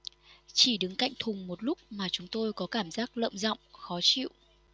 chỉ đứng cạnh thùng một lúc mà chúng tôi có cảm giác lợm giọng khó chịu